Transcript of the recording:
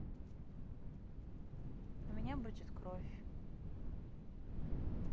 у меня будет кровь